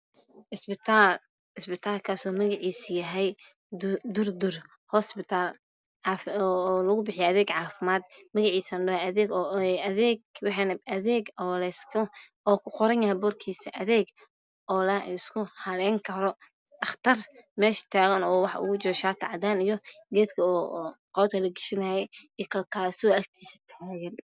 Waa isbitaal oo magaciisu yahay durdur hospital oo lugu bixiyo adeeg caafimaad boorkiisa waxaa kuqoran adeeg oo la isku haleyn karo. Dhaqtar ayaa meesha taagan oo shaati cadaan ah iyo geedka qoorta lagashto wato iyo kalkaaliso meesha taagan.